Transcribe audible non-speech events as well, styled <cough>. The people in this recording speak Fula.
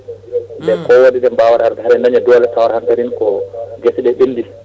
<smacks lips> nde kowojeɗe mbawata arde haaɗe daña doole tawata hankkadine ko gueseɗe ɓendi